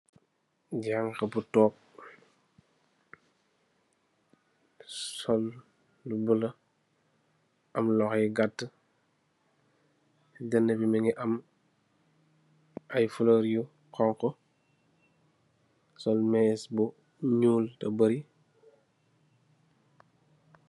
Janxa but toog, sol lu bulo, am loxo you bulo, si dennë bi, mu ngi am lu xonxa, sol mees mu ñuul ta Barrie.